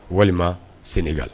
Walima sɛnɛgali